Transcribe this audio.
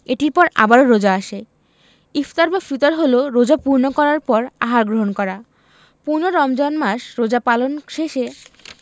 এটির পর আবারও রোজা আসে ইফতার বা ফিতর হলো রোজা পূর্ণ করার পর আহার গ্রহণ করা পূর্ণ রমজান মাস রোজা পালন শেষে